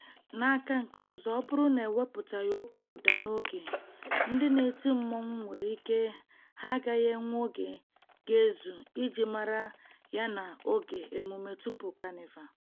Mgbe ụfọdụ, asọmpi Road March nwere nkaramasị doro anya nke na-enweghị mgbagha; n'ebe ndị ọzọ, asọmpi ahụ siri ike nke na ọ dị nnọọ nso ikwu onye ga-emeri.